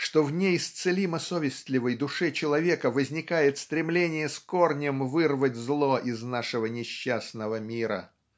что в неисцелимо совестливой душе человека возникает стремление с корнем вырвать зло из нашего несчастного мира.